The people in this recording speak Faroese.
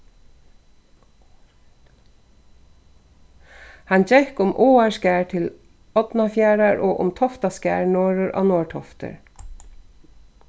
hann gekk um áarskarð til árnafjarðar og um toftaskarð norður á norðtoftir